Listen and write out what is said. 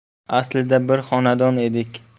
aslida biz bir xonadon edik